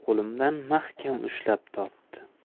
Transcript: qo'limdan mahkam ushlab tortdi